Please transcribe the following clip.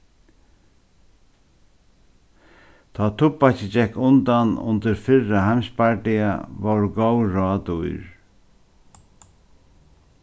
tá ið tubbakið gekk undan undir fyrra heimsbardaga vóru góð ráð dýr